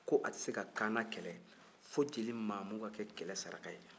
ko a tɛ se ka kaana kɛlɛ fo jeli maamu ka kɛ kɛlɛ saraka ye